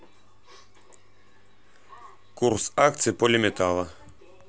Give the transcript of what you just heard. курс акций полиметалла